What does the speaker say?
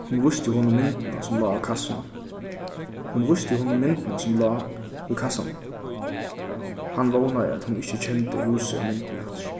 hon vísti honum myndina sum lá á kassunum hon vísti honum myndina sum lá í kassanum hann vónaði at hon ikki kendi húsið á myndini aftur